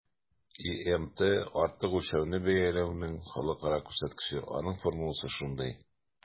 ИМТ - артык үлчәүне бәяләүнең халыкара күрсәткече, аның формуласы шундый: